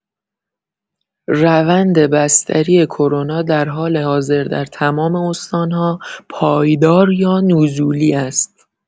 روند بستری کرونا در حال حاضر در تمام استان‌ها پایدار یا نزولی است.